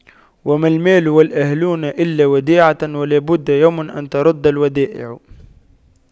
وما المال والأهلون إلا وديعة ولا بد يوما أن تُرَدَّ الودائع